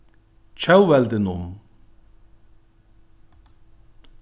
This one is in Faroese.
tjóðveldinum